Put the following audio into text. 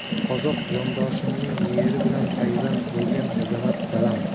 qozoq jondoshimning yeri bilan payvand bo'lgan azamat dalam